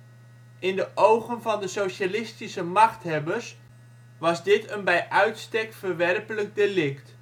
In de ogen van de socialistische machthebbers was dit een bij uitstek verwerpelijk delict